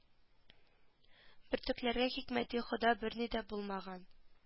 Бөртекләргә хикмәти хода берни дә булмаган